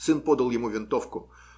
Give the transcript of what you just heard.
Сын подал ему винтовку.